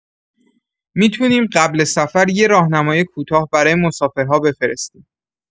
می‌تونیم قبل سفر یه راهنمای کوتاه برای مسافرها بفرستیم.